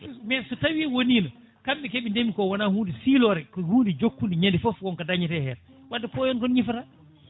mais so tawi wonino kamɓe keeɓe ndeemi ko wona hunde siilore ko hunde jokkude ñande foof wonko dañete hen wadde poyon kon ñifata